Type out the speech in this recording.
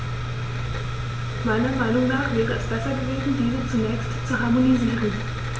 Meiner Meinung nach wäre es besser gewesen, diese zunächst zu harmonisieren.